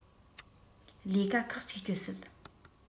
ལས ཀ ཁག གཅིག སྤྱོད སྲིད